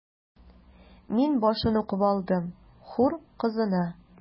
Мин башын укып алдым: “Хур кызына”.